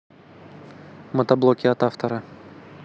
мотоблоки от автора